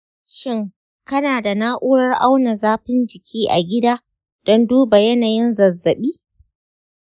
shin kana da na’urar auna zafin jiki a gida don duba yanayin zazzabi?